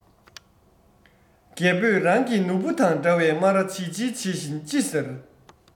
རྒད པོས རང གི ནོར བུ དང འདྲ བའི སྨ རར བྱིལ བྱིལ བྱེད བཞིན ཅི ཟེར